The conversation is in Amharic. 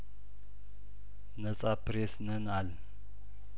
ነጻ ፕሬስ ነን አልን